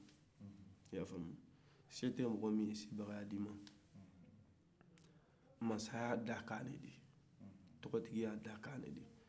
mansaya ye dakan de ye tɔgɔtigiya ye dakan de ye